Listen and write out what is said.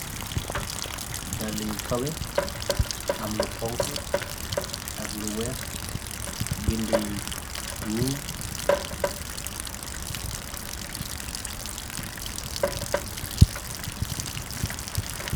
Dale yu kawe am lu xonku ak lu weex binde nyuul.